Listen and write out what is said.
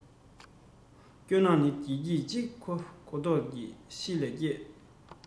སྐྱོ སྣང ནི བདེ སྐྱིད ཅིག གོ རྟོགས ཤིག ལག སྐྱེས